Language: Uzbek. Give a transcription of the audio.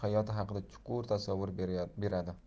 hayoti haqida chuqur tasavvur beradi